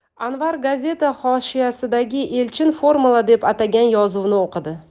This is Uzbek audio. anvar gazeta hoshiyasidagi elchin formula deb atagan yozuvni o'qidi